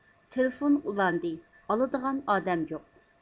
تېلېفون ئۇلاندى ئالىدىغان ئادەم يوق